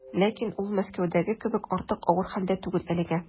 Ләкин ул Мәскәүдәге кебек артык авыр хәлдә түгел әлегә.